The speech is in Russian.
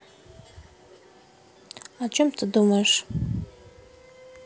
о чем ты думаешь